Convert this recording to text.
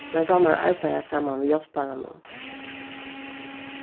mær dámar at arbeiða saman við hjálparanum